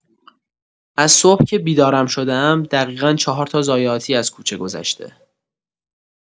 از صبح که بیدارم شده‌ام دقیقا ۴ تا ضایعاتی از کوچه گذشته.